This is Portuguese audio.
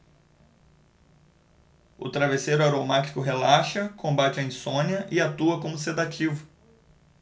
o travesseiro aromático relaxa combate a insônia e atua como sedativo